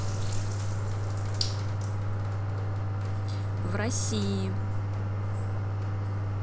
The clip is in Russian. в россии